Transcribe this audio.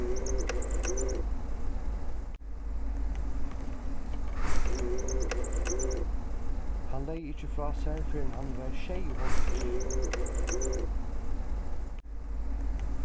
hann legði ikki frá sær fyrr enn hann var sjeyoghálvfjerðs